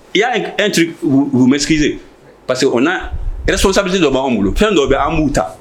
I y'amɛsse parceri que ko na hɛrɛ sɔsabiti dɔ b'aan bolo fɛn dɔ bɛ an b'u ta